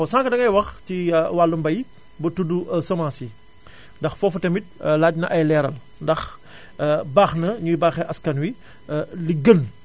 sànq dangay wax ci wàllu mbay ba tuddu semence yi ndax foofu tamit laaj na ay leeral ndax baax na ñuy baaxee askan wi li gën